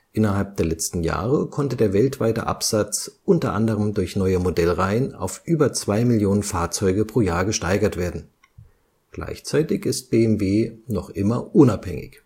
Innerhalb der letzten Jahre konnte der weltweite Absatz u. a. durch neue Modellreihen auf über 1,7 Mio. Fahrzeuge pro Jahr gesteigert werden, gleichzeitig ist BMW nach Porsche und Toyota der rentabelste Automobil-Hersteller mit ca. 8 % Umsatzrendite (2006: 6,3 %) und noch immer unabhängig